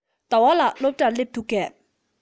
ཟླ བ ལགས སློབ གྲྭར སླེབས འདུག གས